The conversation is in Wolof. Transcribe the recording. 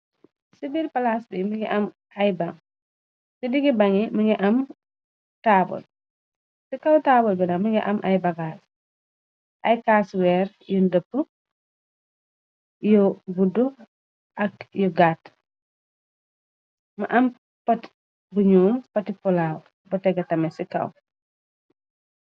Ci biir palaas bi ci diggi bani mingi abci kaw taabal bina mi ngi am ay bagaas. Ay kaasweer yu ndëpp yu budd ak yu gatt. Mu am pati buñuum pati polaaw bu teg tame ci kaw.